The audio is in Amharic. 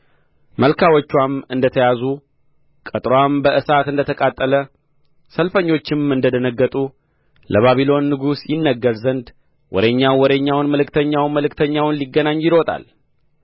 መልካምዎችዋም እንደ ተያዙ ቅጥርዋም በእሳት እንደ ተቃጠለ ሰልፈኞችም እንደ ደነገጡ ለባቢሎን ንጉሥ ይነግር ዘንድ ወሬኛው ወሬኛውን መልእክተኛውም መልእክተኛውን ሊገናኝ ይሮጣል